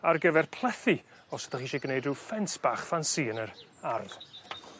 ar gyfer plethu os 'dach chi isie gneud rhyw ffens bach ffansi yn yr ardd.